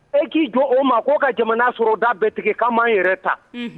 E k'i jɔ o ma k'an ka jamana foroda da bɛɛ tigɛ k'an b'an yɛrɛ ta, unhun.